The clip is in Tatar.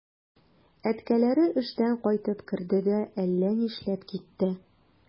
Әткәләре эштән кайтып керде дә әллә нишләп китте.